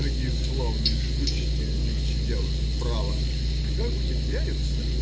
"Какие славные штучки нынче делают, право! И как ухитряются.